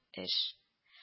Эш